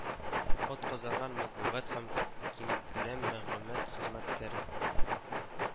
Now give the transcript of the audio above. Атказанган матбугат һәм киңкүләм мәгълүмат хезмәткәре